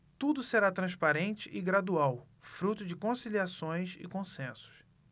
tudo será transparente e gradual fruto de conciliações e consensos